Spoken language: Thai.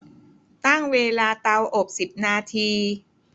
ตั้งเวลาเตาอบสิบนาที